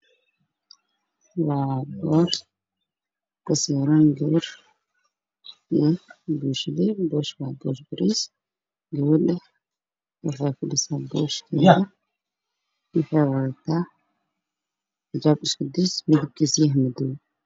Mise waxaa yaalo laabto ama mobile oo shashadiisa ka muuqato gabar fadhido hore wadato xijaab dambas